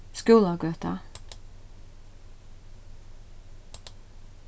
skúlagøta